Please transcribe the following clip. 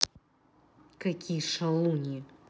какие шалуньи